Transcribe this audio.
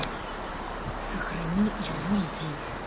сохрани и выйди